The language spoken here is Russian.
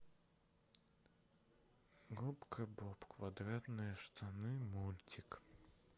губка боб квадратные штаны мультик